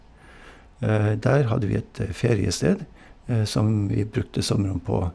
Der hadde vi et feriested som vi brukte somrene på.